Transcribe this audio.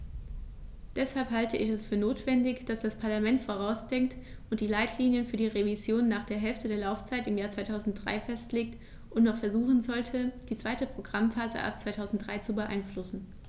Deshalb halte ich es für notwendig, dass das Parlament vorausdenkt und die Leitlinien für die Revision nach der Hälfte der Laufzeit im Jahr 2003 festlegt und noch versuchen sollte, die zweite Programmphase ab 2003 zu beeinflussen.